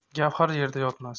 gavhar yerda yotmas